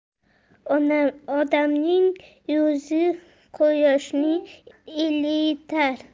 odamning yuzi quyoshni ilitar